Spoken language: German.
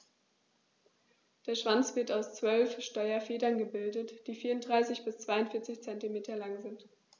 Der Schwanz wird aus 12 Steuerfedern gebildet, die 34 bis 42 cm lang sind.